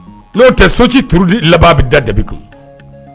N'o tɛ so ci turu di laba bi da dabi kun